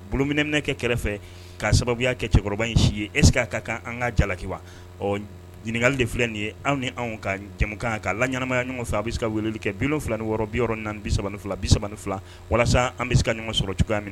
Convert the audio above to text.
Bulonminminɛkɛ kɛrɛfɛ ka sababuya kɛ cɛkɔrɔba in si ye ese'a ka kan an ka jalaki wa ɔ ɲininkaka de filɛ nin ye anw ni anw ka jamukan kan ka layanamaya ɲɔgɔn fɛ a bɛ se ka weeleli kɛ bi wolonwula ni wɔɔrɔ bi yɔrɔ ni bi fila bisa ni fila walasa an bɛ se ka ɲɔgɔn sɔrɔ cogoya minɛ na